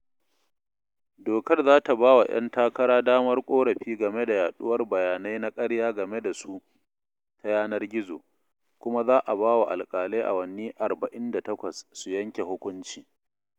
Dokar za ta ba wa ‘yan takara damar ƙorafi game da yaɗuwar bayanai na ƙarya game da su ta yanar gizo, kuma za a bawa alƙalai awanni 48 su yanke hukunci.